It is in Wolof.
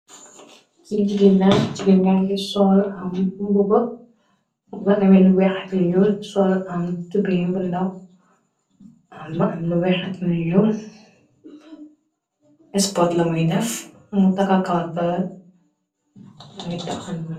Ci jigina jigi, ngangi sool am bu ba, bangame lu wexakñu sool am tubi bu ndaw, am ba am lu wex ak ñul, spot lamuy def mu taka koabër, ni toxanon.